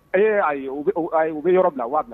Ayi u bɛ yɔrɔ bila'a min